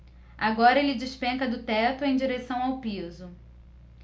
agora ele despenca do teto em direção ao piso